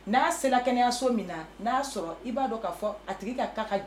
N'a sera kɛnɛyaso min na n'a y'a sɔrɔ i b'a dɔn kaa fɔ a tigi ka cas ka